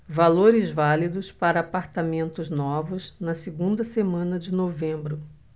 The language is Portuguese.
valores válidos para apartamentos novos na segunda semana de novembro